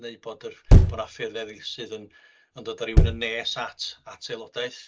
Neu bod yr bod 'na ffyrdd eraill sydd yn yn dod â rhywun yn nes at at aelodaeth?